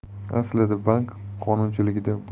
aslida bank qonunchiligida